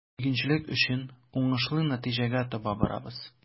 Игенчелек өчен уңышлы нәтиҗәгә таба барабыз.